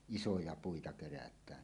isoja puita kerätään